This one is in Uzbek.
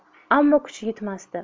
ammo kuchi yetmasdi